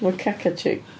Macaque chick.